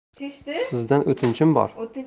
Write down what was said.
sizdan o'tinchim bor